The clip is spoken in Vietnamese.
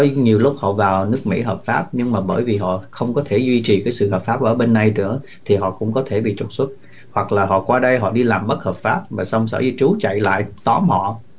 nhiều lúc họ vào nước mỹ hợp pháp nhưng mà bởi vì họ không có thể duy trì cái sự hợp pháp ở bên đây nữa thì họ cũng có thể bị trục xuất hoặc là họ qua đây họ đi làm bất hợp pháp và song sở di trú chạy lại tóm họ